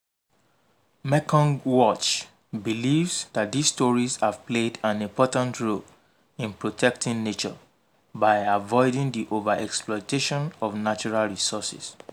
Mekong Watch believes that these stories "have played an important role in protecting nature by avoiding the over-exploitation of natural resources."